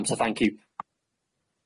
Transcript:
Yym so thank you.